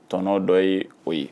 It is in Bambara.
Tɔnɔ dɔ ye o ye